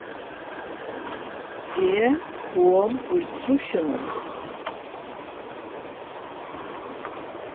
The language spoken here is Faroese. eg kom í trýssunum